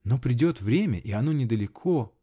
Но придет время -- и оно недалеко.